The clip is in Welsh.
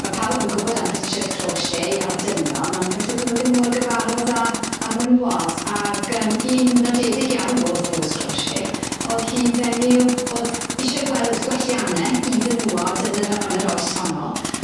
Ma' pawb yn gwbod am Richard Crauchete a'r dynion ond falle bo' nw ddim mor gyfarwdd â â'r menywod ag yym un nodedig iawn o'dd Rose Crauchete o'dd hi'n fenyw o'dd isie gweld gwellianne i fenywod yn yr y- yn yr oes honno.